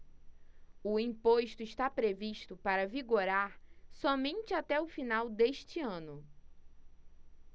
o imposto está previsto para vigorar somente até o final deste ano